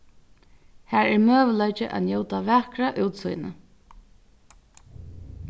har er møguleiki at njóta vakra útsýnið